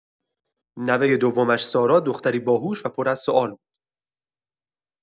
نوۀ دومش سارا، دختری باهوش و پر از سوال بود.